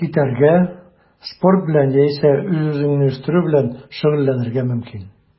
Китәргә, спорт белән яисә үз-үзеңне үстерү белән шөгыльләнергә мөмкин.